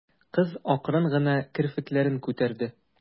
Кыз акрын гына керфекләрен күтәрде.